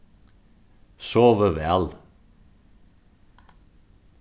sovið væl